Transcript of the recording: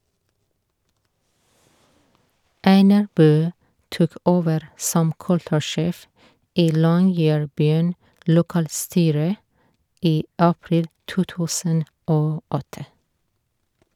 Einar Buø tok over som kultursjef i Longyearbyen lokalstyre i april 2008.